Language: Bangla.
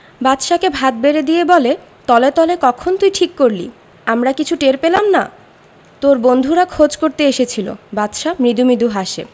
বাদশাকে ভাত বেড়ে দিয়ে বলে তলে তলে কখন তুই ঠিক করলি আমরা কিচ্ছু টের পেলাম না তোর বন্ধুরা খোঁজ করতে এসেছিলো বাদশা মৃদু মৃদু হাসে